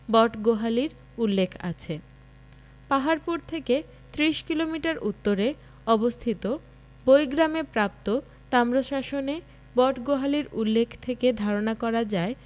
বটগোহালীর উল্লেখ আছে পাহাড়পুর থেকে ৩০ কিলোমিটার উত্তরে অবস্থিত বৈগ্রামে প্রাপ্ত তাম্রশাসনে বটগোহালীর উল্লেখ থেকে ধারণা করা যায়